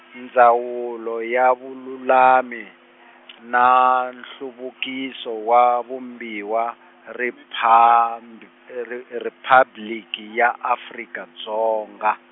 Ndzawulo ya Vululami , na Nhluvukiso wa Vumbiwa, Riphaambi-, e ri-, e Riphabliki ya Afrika Dzonga.